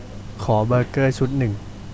ขอเบอร์เกอร์ชุดหนึ่ง